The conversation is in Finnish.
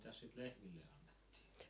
mitäs sitten lehmille annettiin